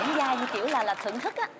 kiểu là là thưởng thức á